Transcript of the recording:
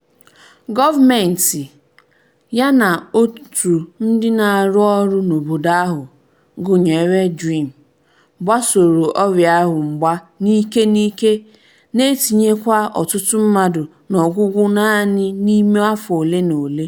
Gọọmentị, yana òtù ndị na-arụ ọrụ n'obodo ahụ, gụnyere DREAM, gbasoro ọrịa ahụ mgba n'ike n'ike, na-etinyekwa ọtụtụ mmadụ n'ọgwụgwọ naanị n'ime afọ ole na ole.